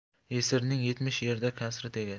yesirning yetmish yerda kasri tegar